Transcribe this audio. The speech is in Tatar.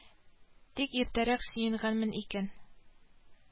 Анда сандыклар, чемоданнар күтәргән абыйлар.